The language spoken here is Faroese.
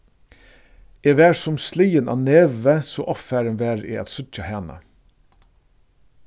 eg var sum sligin á nevið so ovfarin var eg at síggja hana